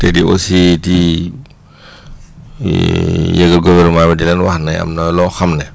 te di aussi di yëgal gouvernement bi di leen wax ne am na loo xam ne